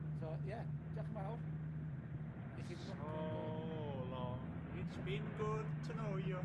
so ie diolch yn fawr. A so long it's been good to know you.